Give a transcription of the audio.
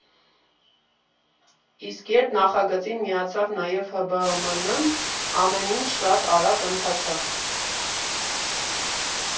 Իսկ երբ նախագծին միացավ նաև ՀԲԸՄ֊ն, ամեն ինչ շատ արագ ընթացավ»։